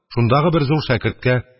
Шундагы бер зур шәкерткә: